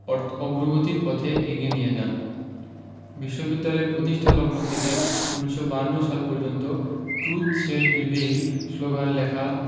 অগ্রগতির পথে এগিয়ে নিয়ে যান বিশ্ববিদ্যালয় প্রতিষ্ঠালগ্ন থেকে ১৯৫২ সাল পর্যন্ত ট্রুত শেল প্রিভেইল শ্লোগান লেখা